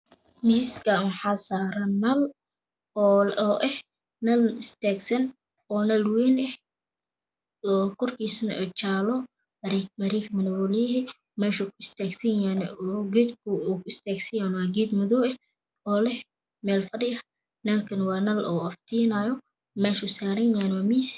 Miiskan waxaa saaran nal oo eh nal istaagsan nal wayn ah oo gurkiisuna jaalo mirif mirifna wuu leeyahay meesha uu ku istaagsanyahayna geedka uu kuwareegsanyahayna waa geed madow ah oo leh meel fadhi nalkana waa nal iftiimayo meesha uu saaranyahayna waa miis